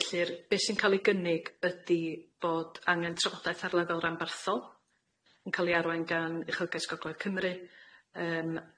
Felly'r be' sy'n ca'l i gynnig ydi bod angen trafodaeth ar lefel ranbarthol yn ca'l i arwain gan Uchelgais Gogledd Cymru yym.